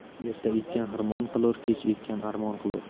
erta ekkan xirmon qilur kech ekkan armon qilur